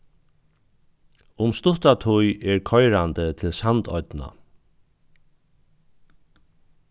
um stutta tíð er koyrandi til sandoynna